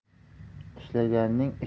ishlaganning ishi bitar